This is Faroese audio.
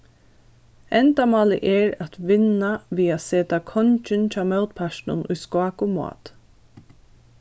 endamálið er at vinna við at seta kongin hjá mótpartinum í skák og mát